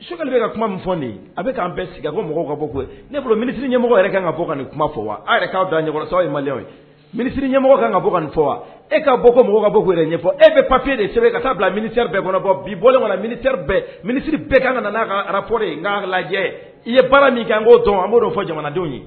Sukali bɛ ka kuma min fɔ nin a bɛ k an bɛɛ sigi ko mɔgɔw ka bɔ ne kulubali minisiri ɲɛmɔgɔ yɛrɛ kan ka bɔ nin kuma fɔ wa a yɛrɛ k'aw ɲɔgɔn sa ye mali ye minisiri ɲɛmɔgɔ kan ka bɔ nin fɔ wa e k ka bɔ ko mɔgɔ bɔ' yɛrɛ ɲɛfɔ e bɛ papiye de sɛbɛn ka taaa bila miniri bɛɛ kɔnɔ bɔ bi bɔmana miniri bɛɛ minisiriri bɛɛ ka kan n'a ka arapɔri ye' lajɛ i ye baara nin kan n k'o dɔn an b'o fɔ jamanadenw ye